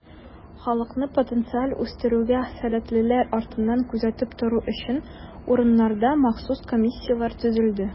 Халыкны потенциаль үстерүгә сәләтлеләр артыннан күзәтеп тору өчен, урыннарда махсус комиссияләр төзелде.